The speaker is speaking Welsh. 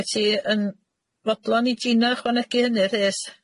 Wyt ti yn fodlon i Gina ychwanegu hynny Rhys?